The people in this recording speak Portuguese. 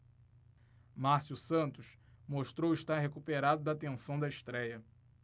márcio santos mostrou estar recuperado da tensão da estréia